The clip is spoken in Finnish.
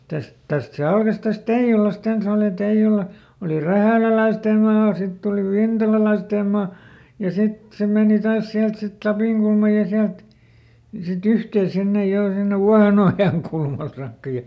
tästä tästä se alkoi tästä Teijulasta ensin oli Teijula oli rähäläläisten maa sitten oli vintalalaisten maa ja sitten se meni taas sieltä sitten Lapinkulman ja sieltä sitten yhteen sinne jo sinne Vuohenojankulmalle saakka ja